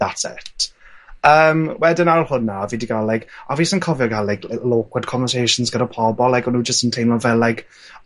that's it. Yym wedyn ar ôl hwnna fi 'di ga'l like... A fi jys yn cofio ga'l like little awkward conversations gyda pobol like o'n nw jyst yn teimlo'n fel like